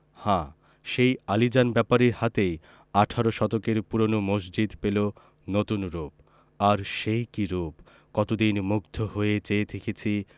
হ্যাঁ সেই আলীজান ব্যাপারীর হাতেই আঠারো শতকের পুরোনো মসজিদ পেলো নতুন রুপ আর সে কি রুপ কতদিন মুগ্ধ হয়ে চেয়ে থেকেছি